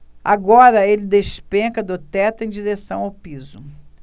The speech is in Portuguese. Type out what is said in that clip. agora ele despenca do teto em direção ao piso